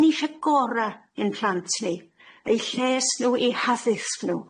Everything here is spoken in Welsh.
'Dyn ni isie gora' i'n plant ni, eu lles n'w eu haddysg n'w.